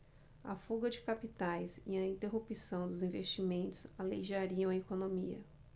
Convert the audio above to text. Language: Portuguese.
a fuga de capitais e a interrupção dos investimentos aleijariam a economia